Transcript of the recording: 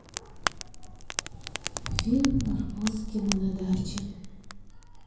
фильм барбоскины на даче